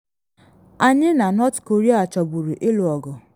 “Anyị na North Korea chọburu ịlụ ọgụ.